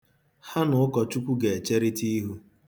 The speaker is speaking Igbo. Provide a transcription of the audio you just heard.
Ha na ụkọchukwu ga-echerịta ihu.